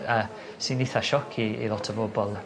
Yy sy'n itha sioc i i lot o bobol.